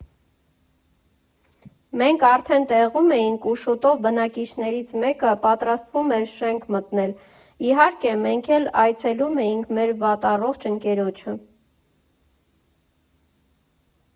Մենք արդեն տեղում էինք և շուտով բնակիչներից մեկը պատրաստվում էր շենք մտնել՝ իհարկե, մենք էլ այցելում էինք մեր վատառողջ ընկերոջը։